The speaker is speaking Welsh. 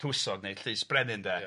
Tywysog neu llys brenin, 'de? Ia.